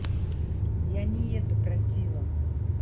я не это просила